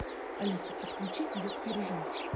алиса отключи детский режим